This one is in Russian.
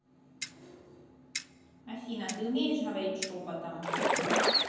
афина ты умеешь говорить шепотом